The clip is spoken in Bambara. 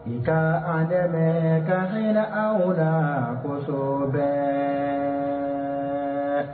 Nka nka a dɛmɛ ka a kunna naso bɛ